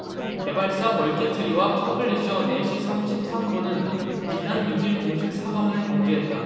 개발사 벌키트리와 퍼블리셔 네시삼십삼분은 지난 육 일 공식 사과문을 공지했다